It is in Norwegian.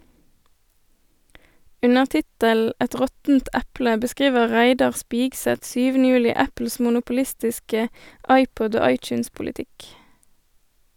Under tittelen "Et råttent eple" beskriver Reidar Spigseth 7. juli Apples monopolistiske iPod- og iTunes-politikk.